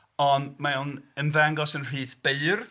Ond mae o'n ymddangos yn nhruth beirdd.